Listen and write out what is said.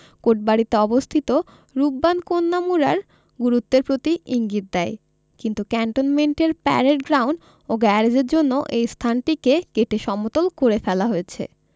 কোটবাড়িতে অবস্থিত রূপবান কন্যা মুড়ার গুরুত্বের প্রতি ইঙ্গিত দেয় কিন্তু ক্যান্টনমেন্টের প্যারেড গ্রাউন্ড ও গ্যারেজের জন্য এ স্থানটিকে কেটে সমতল করে ফেলা হয়েছে